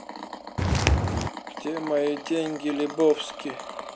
где мои деньги лебовски